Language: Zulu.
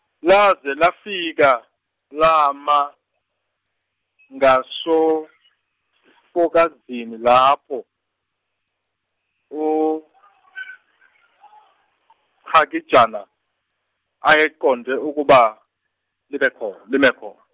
laze lafika lama, ngasefokozini lapho, uChakijana ayeqonde ukuba, libe kho- lime khon-.